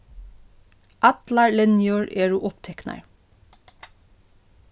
allar linjur eru upptiknar